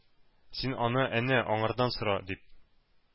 Син аны әнә аңардан сора!-дип,